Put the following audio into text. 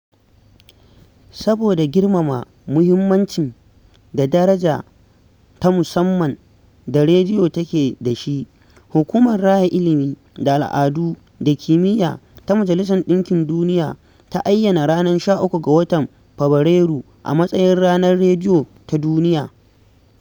Saboda girmama muhimmancin da daraja ta musamman da rediyo take da shi, Hukumar Raya Ilimi da Al'adu da Kimiyya Ta Majalisar ɗinkin Duniya ta ayyana ranar 13 ga watan Fabrairu a matsayin Ranar Rediyo ta Duniya.